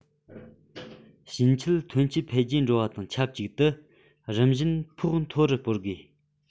ཕྱིན ཆད ཐོན སྐྱེད འཕེལ རྒྱས འགྲོ བ དང ཆབས ཅིག ཏུ རིམ བཞིན ཕོགས མཐོ རུ སྤོར དགོས